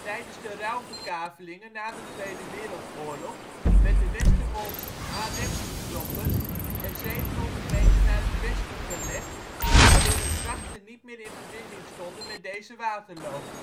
Tijdens de ruilverkavelingen na de Tweede Wereldoorlog werd de Westerwoldse Aa recht getrokken en 700 meter naar het westen verlegd waardoor de grachten niet meer in verbinding stonden met deze waterloop